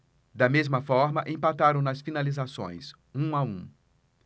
da mesma forma empataram nas finalizações um a um